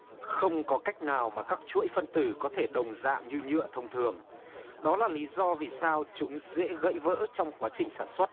không có cách nào mà các chuỗi phân tử có thể đồng dạng như nhựa thông thường đó là lý do vì sao chúng dễ gãy vỡ trong quá trình sản xuất